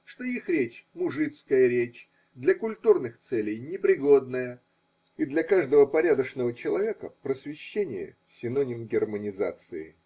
что их речь – мужицкая речь, для культурных целей непригодная, и для каждого порядочного человека просвещение – синоним германизации.